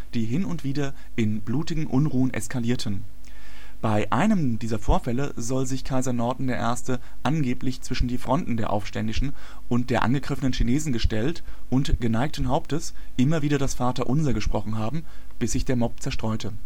die hin und wieder in blutigen Unruhen eskalierten. Bei einem dieser Vorfälle soll sich Kaiser Norton I. angeblich zwischen die Fronten der Aufständischen und der angegriffenen Chinesen gestellt und geneigten Hauptes immer wieder das Vaterunser gesprochen haben, bis sich der Mob zerstreute